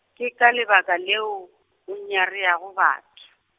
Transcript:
ke ka lebaka leo, o nyareago batho.